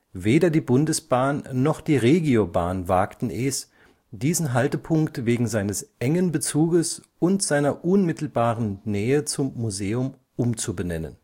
Weder die Bundesbahn, noch die Regio-Bahn wagten es, diesen Haltepunkt wegen seines engen Bezuges und seiner unmittelbaren Nähe zum Museum umzubenennen